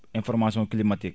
information climatique